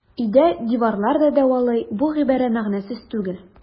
Өйдә диварлар да дәвалый - бу гыйбарә мәгънәсез түгел.